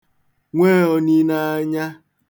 nwe onineanya